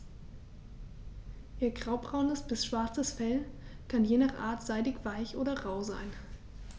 Ihr graubraunes bis schwarzes Fell kann je nach Art seidig-weich oder rau sein.